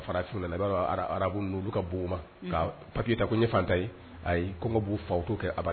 Arabu pakiyita ye ayi kɔngɔ b' fa to kɛ